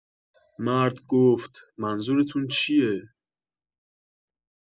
مرد گفت: «منظورتون چیه؟»